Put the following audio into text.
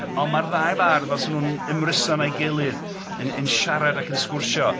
Ond mae'r ddau fardd fel 'sa nhw'n ymryson a'i gilydd yn... yn siarad ac yn sgwrsio.